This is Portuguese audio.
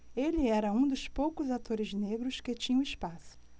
ele era um dos poucos atores negros que tinham espaço